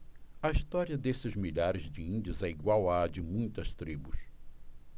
a história desses milhares de índios é igual à de muitas tribos